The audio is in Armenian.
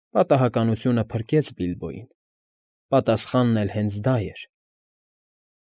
Պատահականությունը փրկեց Բիլբոյին։ Պատասխանն էլ հենց դա էր։